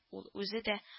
Ул үзе дә